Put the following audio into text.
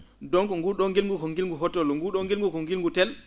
donc nguu ?oo ngilngu ko ngilngu hotollo nguu?oo ngilngu ko ngilngu tel